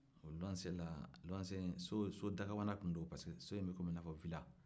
u bɛ luwanse la luwanse in so dakabana tun don parce que so in bɛ i ko wila